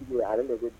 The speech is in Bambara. Bon a de so